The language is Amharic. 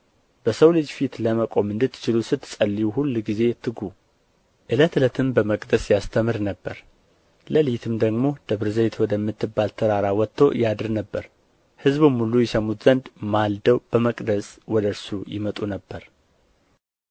በሰው ልጅም ፊት ለመቆም እንድትችሉ ስትጸልዩ ሁል ጊዜ ትጉ ዕለት ዕለትም በመቅደስ ያስተምር ነበር ሌሊት ግን ደብረ ዘይት ወደምትባል ተራራ ወጥቶ ያድር ነበር ሕዝቡም ሁሉ ይሰሙት ዘንድ ማልደው በመቅደስ ወደ እርሱ ይመጡ ነበር